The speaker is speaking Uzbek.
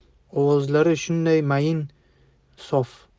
ovozlari shunday mayin shunday sof